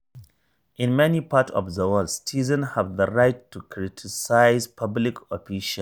In many parts of the world, citizens have the right to criticise public officials.